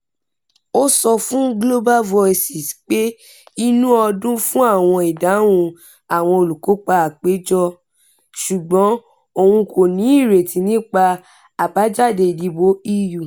Ó sọ fún Global Voices pé inú òun dùn fún àwọn ìdáhùn àwọn olùkópa àpéjọ, ṣùgbọ́n òun kò ní ìrètí nípa àbájáde ìdìbò EU